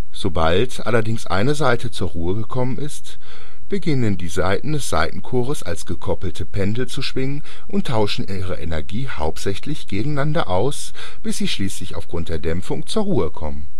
Sobald allerdings eine Saite zur Ruhe gekommen ist, beginnen die Saiten des Saitenchors als gekoppelte Pendel zu schwingen und tauschen ihre Energie hauptsächlich gegeneinander aus, bis sie schließlich aufgrund der Dämpfung zur Ruhe kommen